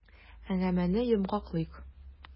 Әңгәмәне йомгаклыйк.